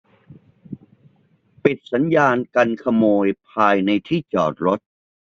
ปิดสัญญาณกันขโมยภายในที่จอดรถ